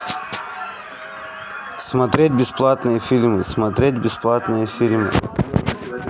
смотреть бесплатные фильмы смотреть бесплатные фильмы